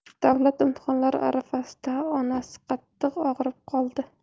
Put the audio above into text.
davlat imtihonlari arafasida onasi qattiq og'rib qoldi